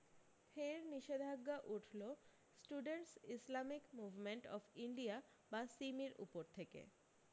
ফের নিষেধাজ্ঞা উঠল Students Islamic Movement of India বা সিমির উপর থেকে